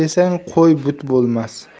desang qo'y but bo'lmas